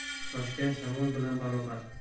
shoshgan shamol bilan barobar